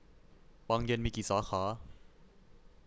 ปังเย็นมีกี่สาขา